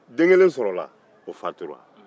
den kelen sɔrɔla o fatura